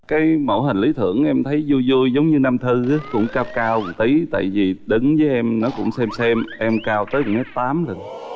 cấy mẫu hình lý tưởng em thấy vui vui giống như nam thư ứ cũng cao cao một tý tại vì đứng về nó cũng sêm sêm em cao tới tám lận